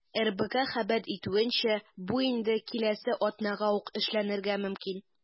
РБК хәбәр итүенчә, бу инде киләсе атнада ук эшләнергә мөмкин.